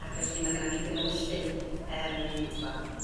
ac felly mae gynna ni gnewyllyn yym